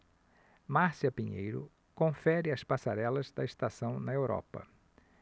márcia pinheiro confere as passarelas da estação na europa